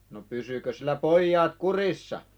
no pysyikö sillä pojat kurissa